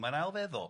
Mae'n ail feddwl.